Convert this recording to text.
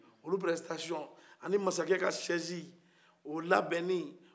olu labɛni ani masakɛ ka zɛsi o la bɛn ni